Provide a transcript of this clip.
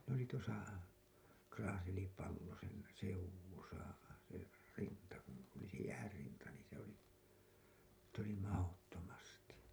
ne oli tuossa Kraaselipallosen seudussa se rinta kun oli se jäänrinta niin se oli niitä oli mahdottomasti